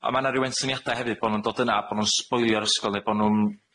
a ma' 'na ryw ensyniada hefyd bo' nw'n dod yna a bo' nw'n sboilio'r ysgol, ne bo' nw'n